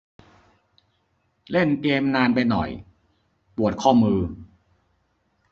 เล่นเกมส์นานไปหน่อยปวดข้อมือ